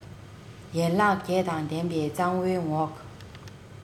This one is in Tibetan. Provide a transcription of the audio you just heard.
ཡན ལག བརྒྱད དང ལྡན པའི གཙང བོའི ངོགས